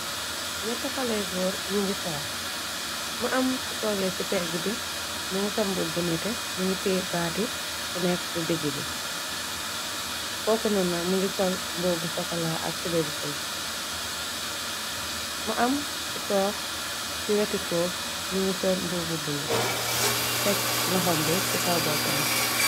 Nyetti xaleyu goor ñi ngi toog mu am ku toogee ci pégg bi mi ngi sol mbu bunete mu ngit baati ku nekk ci digg bi kooku noon nag mi ngi sol mbu bu sokola ak tube bi bula ci wetio tekk luxam bi ci kaw boppam.